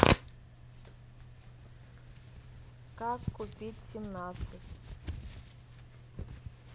как купить семнадцать